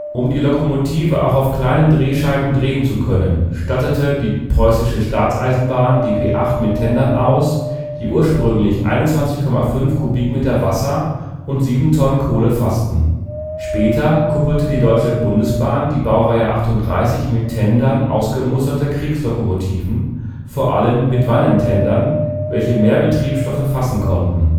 Um die Lokomotive auch auf kleinen Drehscheiben drehen zu können, stattete die Preußische Staatseisenbahn die P 8 mit Tendern aus, die ursprünglich 21,5 Kubikmeter Wasser und 7 t Kohle fassten. Später kuppelte die Deutsche Bundesbahn die Baureihe 38 mit Tendern ausgemusterter Kriegslokomotiven, vor allem mit Wannentendern, welche mehr Betriebsstoffe fassen konnten